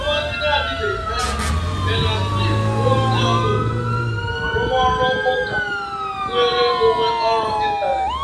N’ọnwa ndị adịbeghị anya, Berners-Lee bụ olu na-ada ụda na arụmarụ ụka nnwere onwe ọrụ ịntanetị.